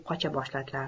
qocha boshladilar